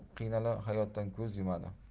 qiynala hayotdan ko'z yumadi